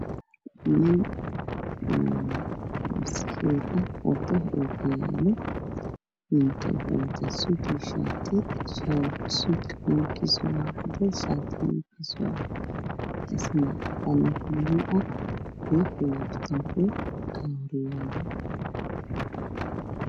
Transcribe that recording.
Nin basaxiir ah oo wato ookiyaalo iyo suud, shaati. Suudku waa cadeys, shaatigu waa buluug iyo buug horyaalo.